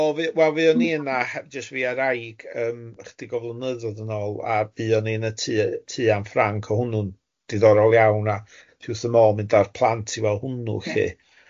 Do, fi wel fuo'n i yna heb jyst fi a'r aig yym ychydig o flynyddoedd yn ôl, a buon i yn y tŷ tŷ An Ffranc, o' hwnnw'n diddorol iawn, a fi wrth fy modd mynd ar plant i weld hwnnw lly.